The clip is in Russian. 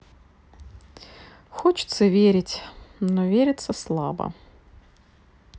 хочется верить но вериться слабо